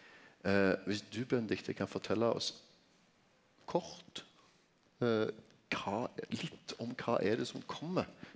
viss du Benedicte kan fortelja oss kort kva litt om kva er det som kjem?